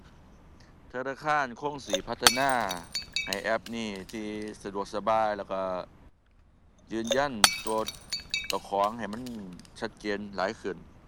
ธนาคารคงสิพัฒนาให้แอปนี้ที่สะดวกสบาย แล้วก็ยืนยันตัวเจ้าของให้มันชัดเจนหลายขึ้น